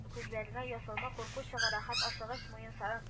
Күзләренә ясалма курку чыгара һәм ачыгыч муенсанын